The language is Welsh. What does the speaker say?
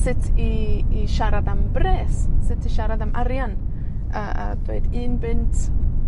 sut i i siarad am bres, sut i siarad am arian. A a dweud un bunt